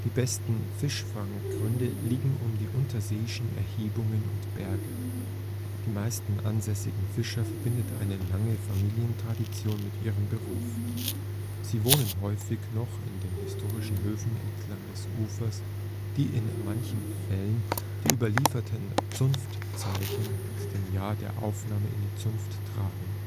besten Fischfanggründe liegen um die unterseeischen Erhebungen und Berge. Die meisten ansässigen Fischer verbindet eine lange Familientradition mit ihrem Beruf. Sie wohnen häufig noch in den historischen Höfen entlang des Ufers, die in manchen Fällen die überlieferten Zunftzeichen mit dem Jahr der Aufnahme in die Zunft tragen